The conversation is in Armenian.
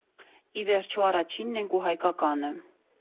Ի վերջո՝ առաջինն ենք ու հայկականը։